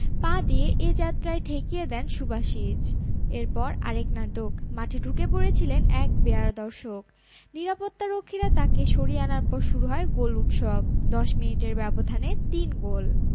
পা দিয়ে এ যাত্রায় ঠেকিয়ে দেন সুবাসিচ এরপর আরেক নাটক মাঠে ঢুকে পড়েছিলেন এক বেয়াড়া দর্শক নিরাপত্তারক্ষীরা তাকে সরিয়ে আনার পর শুরু হয় গোল উৎসব ১০ মিনিটের ব্যবধানে তিন গোল